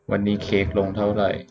วันนี้เค้กลงเท่าไหร่